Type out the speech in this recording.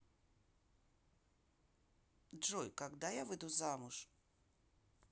джой когда я выйду замуж